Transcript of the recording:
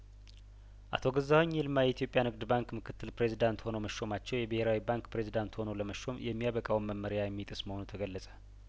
አቶ ገዛ ኸኝ ይልማ የኢትዮጵያ ንግድ ባንክምክትል ፕሬዚዳንት ሆነው መሾማቸው የብሄራዊ ባንክ ፕሬዚዳንት ሆኖ ለመሾም የሚያበቃውን መመሪያ የሚጥስ መሆኑ ተገለጸ